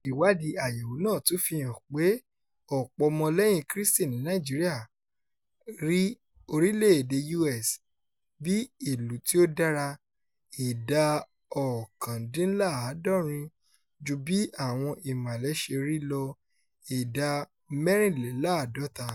Ìwádìí àyẹ̀wò náà tún fi hàn pé ọ̀pọ̀ ọmọ lẹ́yìn Krístì ní Nàìjíríà "rí orílẹ̀-èdèe US bí ìlú tí ó dára (ìdá 69) ju bí àwọn Ìmàlé ṣe rí i lọ (ìdá 54)".